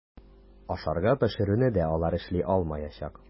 Ашарга пешерүне дә алар эшли алмаячак.